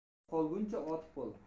yotib qolguncha otib qol